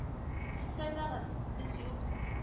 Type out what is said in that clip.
- сез сайлагыз, без юк